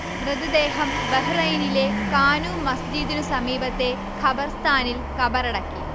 മൃതദേഹം ബഹ്റൈനിലെ കാനൂ മസ്ജിദിന് സമീപത്തെ ഖബർസ്ഥാനിൽ കബറടക്കി